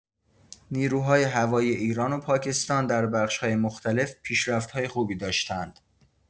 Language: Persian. نیروهای هوایی ایران و پاکستان در بخش‌های مختلف پیشرفت‌های خوبی داشته‌اند.